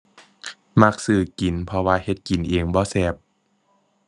มักซื้อกิน เพราะว่าเฮ็ดกินเองบ่แซ่บ